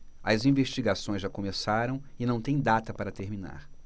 as investigações já começaram e não têm data para terminar